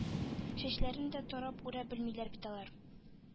Чәчләрен дә тарап үрә белмиләр бит алар...